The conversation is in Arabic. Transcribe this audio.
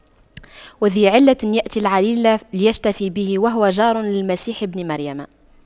وذى علة يأتي عليلا ليشتفي به وهو جار للمسيح بن مريم